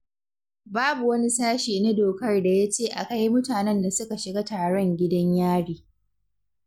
Babu wani sashe na dokar da ya ce a kai mutanen da suka shiga taron gidan Yari.